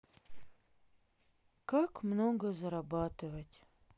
как много зарабатывать